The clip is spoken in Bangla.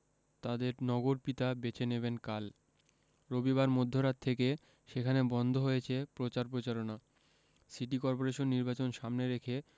তাঁদের নগরপিতা বেছে নেবেন কাল রবিবার মধ্যরাত থেকে সেখানে বন্ধ হয়েছে প্রচার প্রচারণা সিটি করপোরেশন নির্বাচন সামনে রেখে